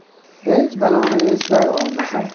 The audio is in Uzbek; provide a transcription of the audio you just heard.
hech baloni eslay olmasam